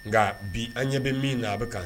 Nka bi an ɲɛ bɛ min na a bɛ ka